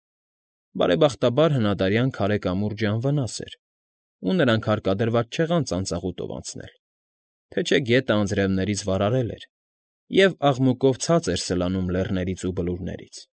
Բարեբախտաբար հնադարյան քարե կամուրջն անվնաս էր, ու նրանք հարկարդված չեղան ծանծաղուտով անցնել, թե չէ գետն անձրևներից վարարել էր և աղմուկով ցած էր սլանում լեռներից ու բլուրներից։